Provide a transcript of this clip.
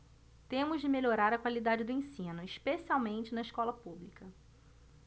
temos de melhorar a qualidade do ensino especialmente na escola pública